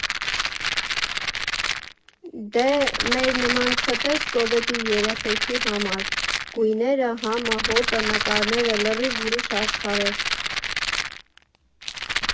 Դե, մեր նման չտես սովետի երեխեքի համար՝ գույները, համը, հոտը, նկարները՝ լրիվ ուրիշ աշխարհ էր։